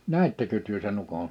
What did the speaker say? näittekö te sen ukon